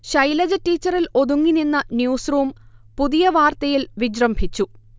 ശൈലജ ടീച്ചറിൽ ഒതുങ്ങിനിന്ന ന്യൂസ്റൂം പുതിയ വാർത്തയിൽ വിജൃംഭിച്ചു